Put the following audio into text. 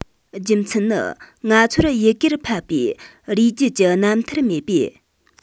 རྒྱུ མཚན ནི ང ཚོར ཡི གེར ཕབ པའི རུས རྒྱུད ཀྱི རྣམ ཐར མེད པས